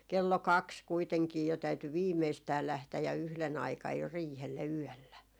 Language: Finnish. kello kaksi kuitenkin jo täytyi viimeistään lähteä ja yhden aikaan jo riihelle yöllä